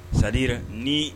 Sali yɛrɛ ni